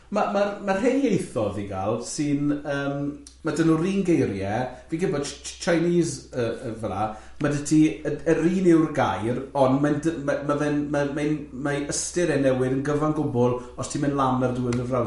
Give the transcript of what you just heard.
Ma' ma' ma' rhei ieithoedd i gal sy'n yym ma' dyn nhw'r un geiriau, fi'n gwybod Ch-Ch-Chinese yy yy fela, ma' dyt ti y- yr un yw'r gair, ond mae'n dy- ma' ma' fe'n ma'n mae'n mae ystyr e newydd yn gyfan gwbl os ti'n mynd lan ar ddiwedd y frawddeg neu lawr.